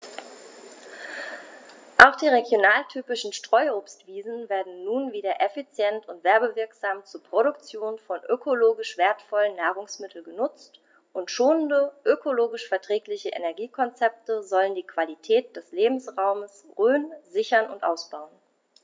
Auch die regionaltypischen Streuobstwiesen werden nun wieder effizient und werbewirksam zur Produktion von ökologisch wertvollen Nahrungsmitteln genutzt, und schonende, ökologisch verträgliche Energiekonzepte sollen die Qualität des Lebensraumes Rhön sichern und ausbauen.